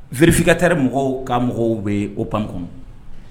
Vfinka taara mɔgɔw ka mɔgɔw bɛ o pan kɔnɔ